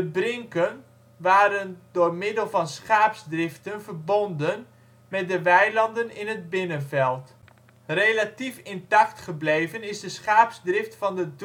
brinken waren door middel van schaapsdriften verbonden met de weilanden in het Binnenveld. Relatief intact gebleven is de schaapsdrift van de Droevendaalsesteeg